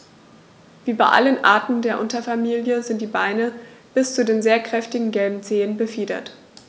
Wie bei allen Arten der Unterfamilie sind die Beine bis zu den sehr kräftigen gelben Zehen befiedert.